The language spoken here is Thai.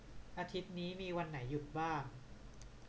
อาทิตย์นี้มีวันไหนหยุดบ้าง